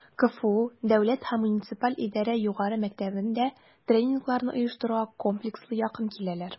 КФУ Дәүләт һәм муниципаль идарә югары мәктәбендә тренингларны оештыруга комплекслы якын киләләр: